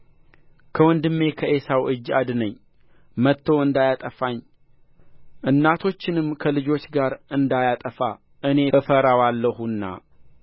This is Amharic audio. ከወንድሜ ከዔሳው እጅ አድነኝ መጥቶ እንዳያጠፋኝ እናቶችንም ከልጆች ጋር እንዳያጠፋ እኔ እፈራዋለሁና